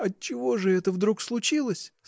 — Отчего же это вдруг случилось?